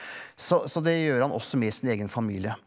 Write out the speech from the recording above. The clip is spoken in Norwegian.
så så det gjør han også med sin egen familie.